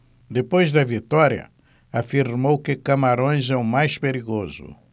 depois da vitória afirmou que camarões é o mais perigoso